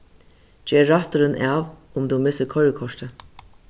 ger rætturin av um tú missir koyrikortið